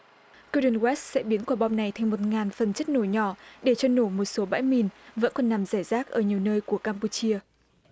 gâu đừn goét sẽ biến quả bom này thêm một ngàn phần chất nổ nhỏ để cho nổ một số bãi mìn vẫn còn nằm rải rác ở nhiều nơi của cam pu chia